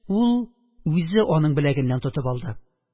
Ул үзе аның беләгеннән тотып алды.